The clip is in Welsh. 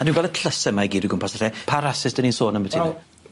A dwi'n gweld y tlysa 'ma i gyd o gwmpas y lle. Pa rasys 'dan ni'n sôn ambyty hwnna? Wel.